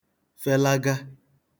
felaga